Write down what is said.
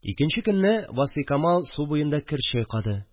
Икенче көнне Васфикамал су буенда кер чайкады